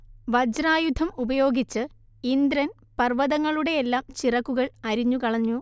വജ്രായുധം ഉപയോഗിച്ച് ഇന്ദ്രൻ പർവ്വതങ്ങളുടെയെല്ലാം ചിറകുകൾ അരിഞ്ഞുകളഞ്ഞു